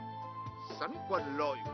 sắn quần lội